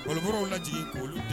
Malo bɔrɔw lajigin k'olu ta